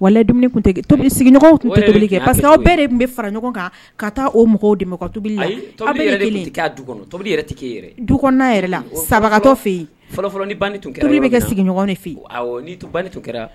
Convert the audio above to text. Wa tun parce de tun bɛ fara ɲɔgɔn kan ka taa obili du tobili tɛ du yɛrɛ la sabatɔ fɛ yen fɔlɔ fɔlɔin tun bɛ kɛ sigiɲɔgɔn fɛ yen ni to ban to kɛra